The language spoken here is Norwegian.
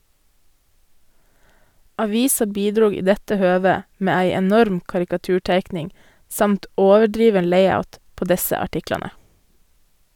Avisa bidrog i dette høvet med ei enorm karikaturteikning, samt overdriven layout, på desse artiklane.